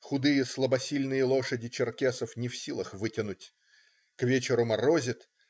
Худые, слабосильные лошади черкесов не в силах вытянуть. К вечеру морозит.